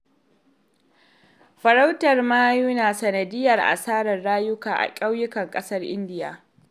Farautar mayu na sanadiyyar asarar rayuka a ƙauyukan ƙasar Indiya.